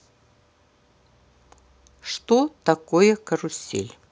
что это такое карусель